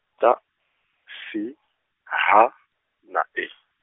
T, S, H, na E.